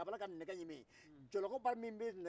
o tɛ ko ɲuman ye